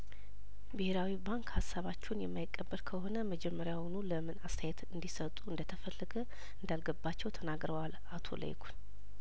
ብሄራዊ ባንክ ሀሳባ ችሁን የማይቀበል ከሆነ መጀመሪያውኑ ለምን አስተያየት እንዲሰጡ እንደተፈለገ እንዳል ገባቸው ተናግረዋል አቶ ለይኩን